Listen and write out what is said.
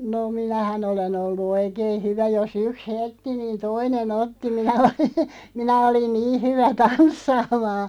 no minähän olen ollut oikein hyvä jos yksi hellitti niin toinen otti minä olin minä olin niin hyvä tanssimaan